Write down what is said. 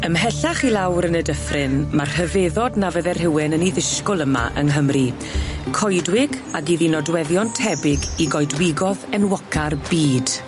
Ymhellach i lawr yn y dyffryn ma' rhyfeddod na fydde rhywun yn 'i ddisgwl yma yng Nghymru coedwig ag iddi nodweddion tebyg i goedwigo'dd enwoca'r byd.